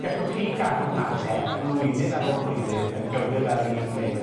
Gallwch chi gadw hade blwyddyn ar ôl blwyddyn, yn gywir fel dw i'n gwneud fan